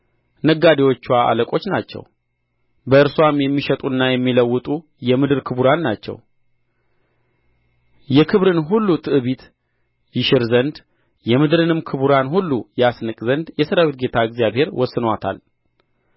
ነጋዴዎችዋ አለቆች ናቸው በእርስዋም የሚሸጡና የሚለውጡ የምድር ክቡራን ናቸው የክብርን ሁሉ ትዕቢት ይሽር ዘንድ የምድርንም ክቡራን ሁሉ ያስንቅ ዘንድ የሠራዊት ጌታ እግዚአብሔር ወስኖታል